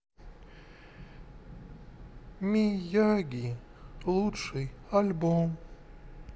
мияги лучший альбом